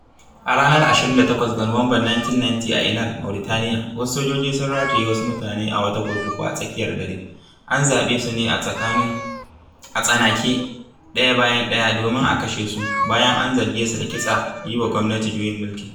A ranar 28 ga Nuwamban 1990 a Inal, Mauritaniya, wasu sojoji sun rataye wasu mutane a wata kurkuku a tsakiyar dare, an zaɓe su a tsanake ɗaya bayan ɗaya domin a kashe su, bayan an zarge su da kitsa yi wa gwamnati juyin mulki.